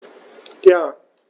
Ja.